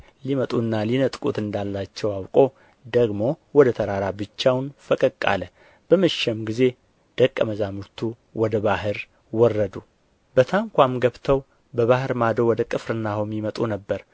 ሊመጡና ሊነጥቁት እንዳላቸው አውቆ ደግሞ ወደ ተራራ ብቻውን ፈቀቅ አለ በመሸም ጊዜ ደቀ መዛሙርቱ ወደ ባሕር ወረዱ በታንኳም ገብተው በባሕር ማዶ ወደ ቅፍርናሆም ይመጡ ነበር